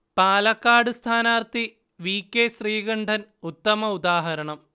പാലക്കാട് സ്ഥാനാർത്ഥി V. K. Sreekandan ഉത്തമ ഉദാഹരണം